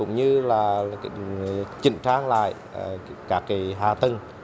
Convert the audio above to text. cũng như là chỉnh trang lại à các cái hạ tầng